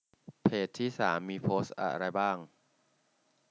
เพจที่สามมีโพสต์อะไรบ้าง